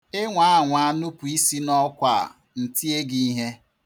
Ị nwa anwa nupu isi n'ọkwa a, m tie gị ihe.